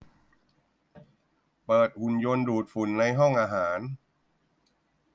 เปิดหุ่นยนต์ดูดฝุ่นในห้องอาหาร